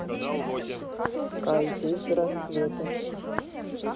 скай дети рассвета